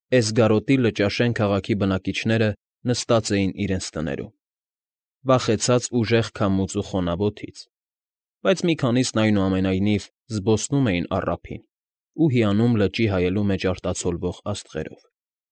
Էսգարոտի Լճաշեն քաղաքի բնակիչները նստած էին իրենց տներում, վախեցած ուժեղ քամուց ու խոնավ օդից, բայց մի քանիսն, այնուամենայնիվ, զբոսնում էին առափին ու հիանում լճի հայելու մեջ արտացոլվող աստղերով։